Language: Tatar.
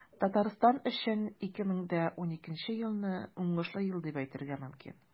Татарстан өчен 2012 елны уңышлы ел дип әйтергә мөмкин.